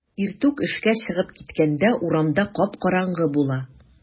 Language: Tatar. Иртүк эшкә чыгып киткәндә урамда кап-караңгы була.